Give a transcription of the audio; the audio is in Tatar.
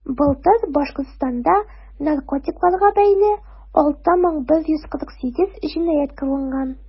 Былтыр Башкортстанда наркотикларга бәйле 6148 җинаять кылынган.